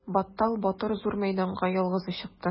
Баттал батыр зур мәйданга ялгызы чыкты.